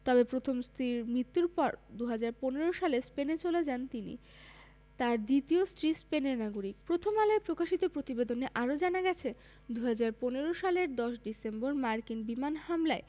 তবে প্রথম স্ত্রীর মৃত্যুর পর ২০১৫ সালে স্পেনে চলে যান তিনি তাঁর দ্বিতীয় স্ত্রী স্পেনের নাগরিক প্রথম আলোয় প্রকাশিত প্রতিবেদনে আরও জানা গেছে ২০১৫ সালের ১০ ডিসেম্বর মার্কিন বিমান হামলায়